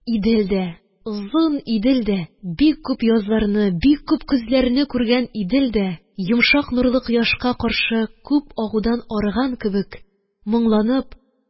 Идел дә, озын Идел дә, бик күп язларны, бик күп көзләрне күргән Идел дә, йомшак нурлы кояшка каршы күп агудан арыган кебек, моңланып,